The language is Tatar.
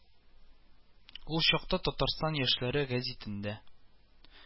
Ул чакта Татарстан яшьләре гәзитендә